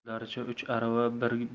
o'zlaricha uch arava